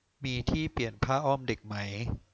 มีที่เปลี่ยนผ้าอ้อมเด็กไหม